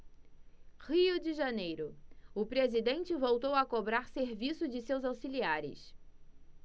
rio de janeiro o presidente voltou a cobrar serviço de seus auxiliares